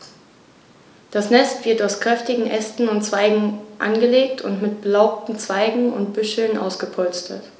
Das Nest wird aus kräftigen Ästen und Zweigen angelegt und mit belaubten Zweigen und Büscheln ausgepolstert.